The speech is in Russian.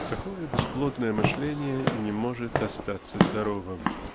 Такое бесплотное мышление не может остаться здоровым.